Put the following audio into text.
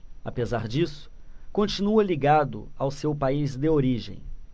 apesar disso continua ligado ao seu país de origem